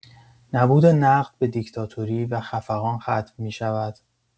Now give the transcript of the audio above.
نبود نقد به دیکتاتوری و خفقان ختم می‌شود.